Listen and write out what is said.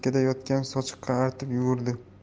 chekkada yotgan sochiqqa artib yugurdi